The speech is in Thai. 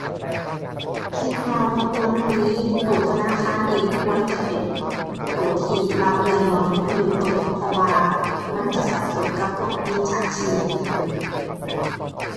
คิดว่าบ่ควรมี ตัวธนาคารเองควรจะเป็นตัวที่รับเรื่องร้องเรียนโดยตรง เพราะว่ามันจะสับสนกับพวกมิจฉาชีพอีกนั่นแหละ